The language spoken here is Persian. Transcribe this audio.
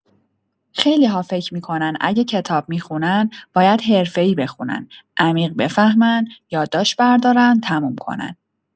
خیلی‌ها فکر می‌کنن اگه کتاب می‌خونن، باید حرفه‌ای بخونن، عمیق بفهمن، یادداشت بردارن، تموم کنن.